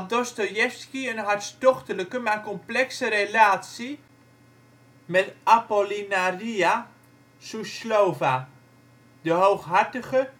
Dostojevski een hartstochtelijke maar complexe relatie met Apollinarija Soeslova, de hooghartige